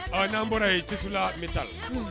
Ɔ n'an bɔra ye Jisula Métal unhun